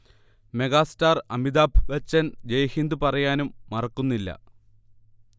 megastar Amitabh Bachchan Jai Hind പറയാനും മറക്കുന്നില്ല